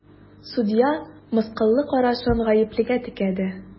Судья мыскыллы карашын гаеплегә текәде.